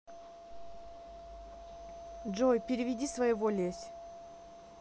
джой переведи своего лезь